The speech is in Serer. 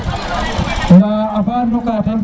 nda avant ndoq a teen